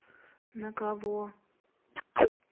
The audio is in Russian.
на кого